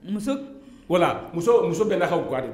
Muso wala muso muso bɛɛ hakiliuadi